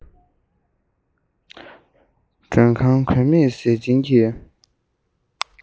མགྲོན ཁང མགོན མེད ཟས སྦྱིན གྱི